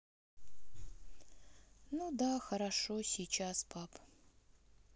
ну да хорошо сейчас пап